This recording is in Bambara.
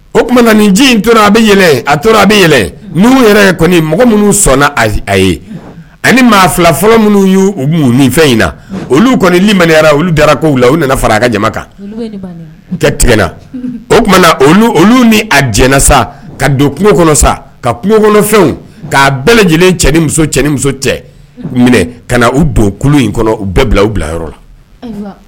O tumaumana nin ji in tora a bɛ yɛlɛ a tora a bɛ yɛlɛ yɛrɛ mɔgɔ minnu sɔnna a ye ani maa fila fɔlɔ minnu y u ni fɛn in na olu kɔniliyara olu dara kow la u nana fara ka jama kan ka tigɛna o tuma olu ni a jɛnɛ sa ka don kungo kɔnɔ sa ka kungo kɔnɔfɛnw ka bɛɛ lajɛlen cɛ ni cɛ muso cɛ minɛ ka na u don kulu in kɔnɔ u bɛɛ bila u bila yɔrɔ la